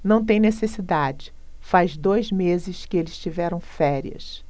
não tem necessidade faz dois meses que eles tiveram férias